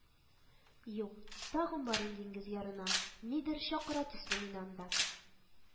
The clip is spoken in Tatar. Юк, тагын барыйм диңгез ярына, Нидер чакыра төсле мине анда